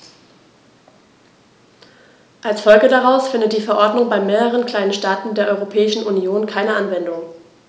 Als Folge daraus findet die Verordnung bei mehreren kleinen Staaten der Europäischen Union keine Anwendung.